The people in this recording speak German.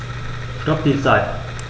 Stopp die Zeit